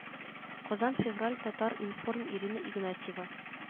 Казан февраль татар-информ ирина игнатьева